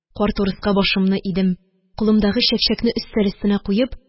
Карт урыска башымны идем. Кулымдагы чәкчәкне өстәл өстенә куеп